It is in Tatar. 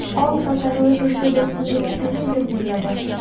Алтатарлы кеше бер син генә түгелдер дөньяда.